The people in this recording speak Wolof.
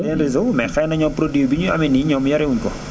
yeneen réseau mais xëy na ñun produit bi ñu ame nii ñoom yore wuñ ko